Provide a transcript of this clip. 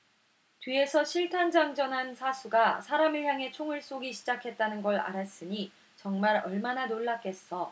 뒤에서 실탄 장전한 사수가 사람을 향해 총을 쏘기 시작했다는 걸 알았으니 정말 얼마나 놀랐겠어